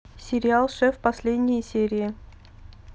сериал шеф последние серии